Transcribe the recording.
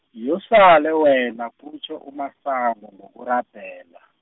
yosale wena, kutjho uMasango ngokurabhela.